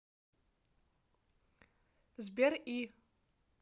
сбер и